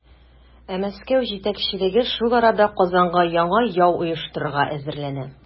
Ә Мәскәү җитәкчелеге шул арада Казанга яңа яу оештырырга әзерләнә.